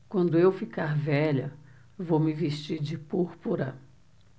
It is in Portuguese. quando eu ficar velha vou me vestir de púrpura